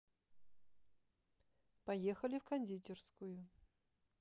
поехали в кондитерскую